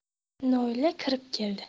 noila kirib keldi